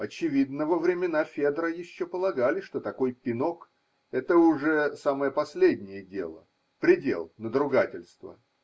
Очевидно, во времена Федра еще полагали, что такой пинок – это уже самое последнее дело, предел надругательства.